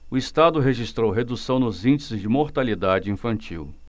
o estado registrou redução nos índices de mortalidade infantil